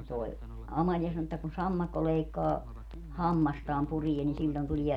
ja tuo Amalia sanoi että kun sammakko leikkaa hammastaan puree niin silloin tulee